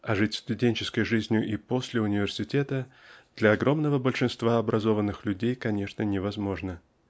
а жить студенческой жизнью и после университета для огромного большинства образованных людей конечно невозможно.